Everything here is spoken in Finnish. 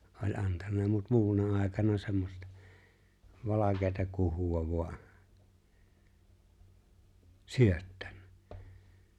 oli antanut mutta muuna aikana semmoista valkeaa kuhua vain syöttänyt